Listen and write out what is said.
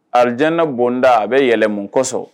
Alijaana bonda a bɛ yɛlɛ mun kɔsɔn